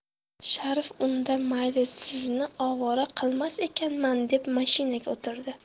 sharif unda mayli sizni ovora qilmas ekanman deb mashinaga o'tirdi